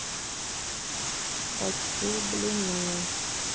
хочу блины